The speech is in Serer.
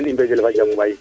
xenda i mbeedel fa jam waay